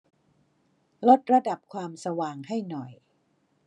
ลดระดับความสว่างให้หน่อย